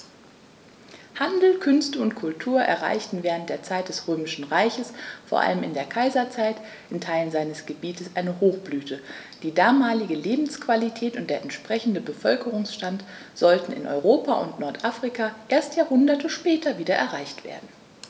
Handel, Künste und Kultur erreichten während der Zeit des Römischen Reiches, vor allem in der Kaiserzeit, in Teilen seines Gebietes eine Hochblüte, die damalige Lebensqualität und der entsprechende Bevölkerungsstand sollten in Europa und Nordafrika erst Jahrhunderte später wieder erreicht werden.